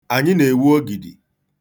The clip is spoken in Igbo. Anyị na-ewu ogidi.